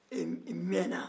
ɛ mɛɛna